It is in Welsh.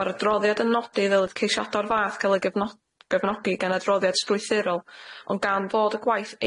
Ma'r adroddiad yn nodi dylid ceisiada'r fath ca'l ei gefno- gefnogi gan adroddiad sdrwythyrol ond gan fod y gwaith